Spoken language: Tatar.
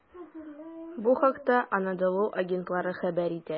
Бу хакта "Анадолу" агентлыгы хәбәр итә.